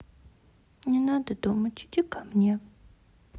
не надо думать иди ко мне